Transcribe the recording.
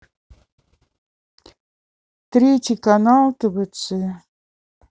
третий канал твц